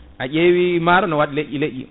a ƴeewi maaro ne waɗi leƴƴi leƴƴi